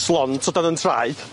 Slont o dan 'yn traed.